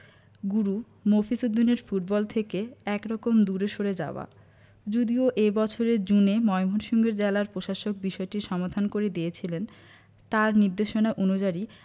গুরু মফিজ উদ্দিনের ফুটবল থেকে একরকম দূরে সরে যাওয়া যদিও এ বছরের জুনে ময়মনসিংহের জেলার প্রশাসক বিষয়টির সমাধান করে দিয়েছিলেন তাঁর নির্দেশনা অনুযারী